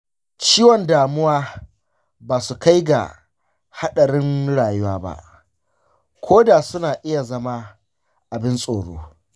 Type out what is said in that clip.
ciwon damuwa ba su kai ga haɗarin rayuwa ba, ko da suna iya zama abin tsoro.